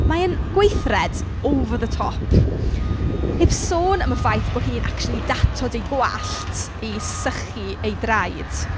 Mae e'n gweithred over the top, heb sôn am y ffaith bod hi'n acshyli datod ei gwallt i sychu ei draed.